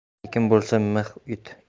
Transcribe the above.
tekin bo'lsa mix yut